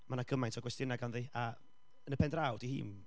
mae 'na gymaint o gwestiynau ganddi, a yn y pen draw, 'di hi ddim...